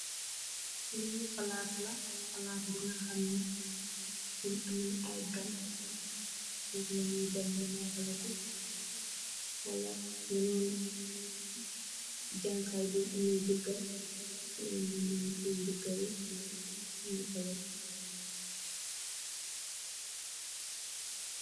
Lee plass la plass bega hamne sun ameh aye gaan fofu lanu dem de nopaleku wala yenen janha yee bun ame jakarr felanu nyaw ak sen jekarr yee nu nopaleku.